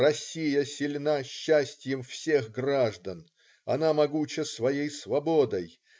Россия сильна счастьем всех граждан. Она могуча своей свободой.